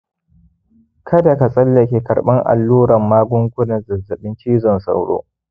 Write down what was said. kada ka tsallake karban alluran magungunan zazzabin cizon sauro